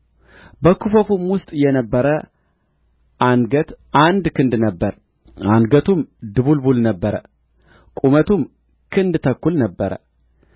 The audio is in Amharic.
በክፈፉም ውስጥ የነበረ አንገት አንድ ክንድ ነበረ አንገቱም ድቡልቡል ነበረ ቁመቱም ክንድ ተኩል ነበረ